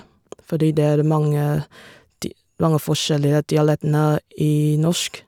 Fordi det er mange di mange forskjellige dialektene i norsk.